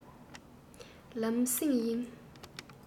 ལམ སེང ཡིན